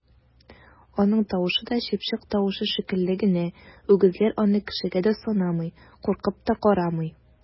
Аның тавышы да чыпчык тавышы шикелле генә, үгезләр аны кешегә дә санамый, куркып та карамый!